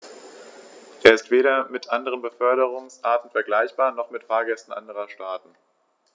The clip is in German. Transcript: Er ist weder mit anderen Beförderungsarten vergleichbar, noch mit Fahrgästen anderer Staaten.